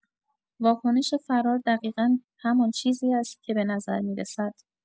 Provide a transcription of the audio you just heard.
واکنش فرار دقیقا همان چیزی است که به نظر می‌رسد.